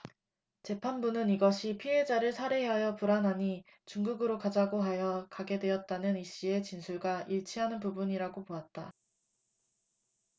재판부는 이것이 피해자를 살해하여 불안하니 중국으로 가자고 하여 가게 되었다는 이씨의 진술과 일치하는 부분이라고 보았다